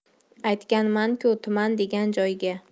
aytganman ku tuman degan joyga